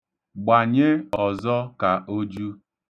Gbanye ọzọ ka o ju.